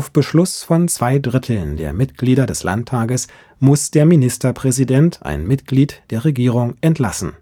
Beschluss von zwei Dritteln der Mitglieder des Landtags muss der Ministerpräsident ein Mitglied der Regierung entlassen